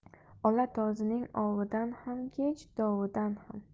ola tozining ovidan ham kech dovidan ham